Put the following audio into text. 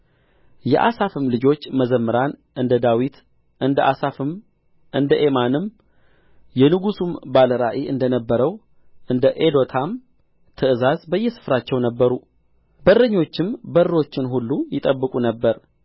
የአሳፍም ልጆች መዘምራን እንደ ዳዊት እንደ አሣፍም እንደ ኤማንም የንጉሡም ባለ ራእይ እንደ ነበረው እንደ ኤዶታም ትእዛዝ በየስፍራቸው ነበሩ በረኞቹም በሮቹን ሁሉ ይጠብቁ ነበር